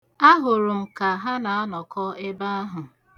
Ahụrụ m ka ha na-anọka ebe ahụ.